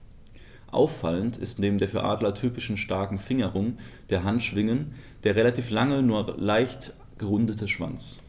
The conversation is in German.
Auffallend ist neben der für Adler typischen starken Fingerung der Handschwingen der relativ lange, nur leicht gerundete Schwanz.